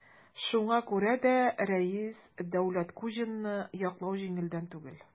Шуңа күрә дә Рәис Дәүләткуҗинны яклау җиңелдән түгел.